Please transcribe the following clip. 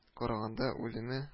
Караганда үлеме